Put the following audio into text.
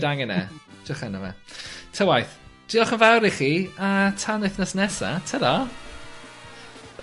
angen e edrych arno fe. Ta waith diolch yn fawr i ch a tan wthnos nesa tara!